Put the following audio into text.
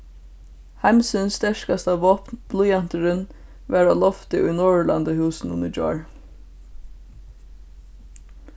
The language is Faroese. heimsins sterkasta vápn blýanturin var á lofti í norðurlandahúsinum í gjár